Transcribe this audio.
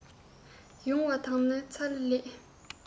ཡུང བ དང ནི ཚ ལེ ལས